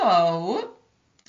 Yym so.